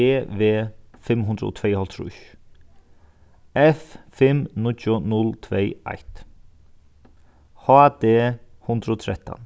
g v fimm hundrað og tveyoghálvtrýss f fimm níggju null tvey eitt h d hundrað og trettan